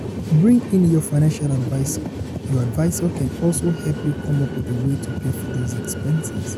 Bring in your financial advisor: Your advisor can also help you come up with a way to pay for those expenses.